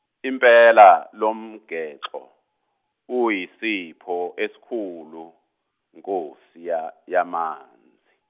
impela lomgexo, uyisipho esikhulu, Nkosi ya- yamanzi.